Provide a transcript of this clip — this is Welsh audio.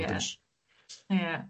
Ie sh- ie.